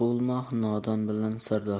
bo'lma nodon bilan sirdosh